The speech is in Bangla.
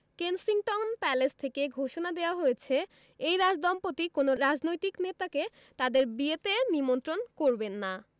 কেনসিংটন প্যালেস থেকে ঘোষণা দেওয়া হয়েছে এই রাজদম্পতি কোনো রাজনৈতিক নেতাকে তাঁদের বিয়েতে নিমন্ত্রণ করবেন না